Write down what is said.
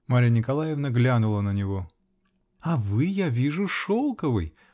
Марья Николаевна глянула на него. -- А вы, я вижу, шелковый!